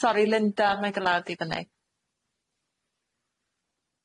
Sori Linda mae dy law di fyny.